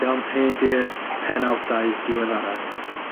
...iawn? 'Hein 'di'r penawdau diweddara.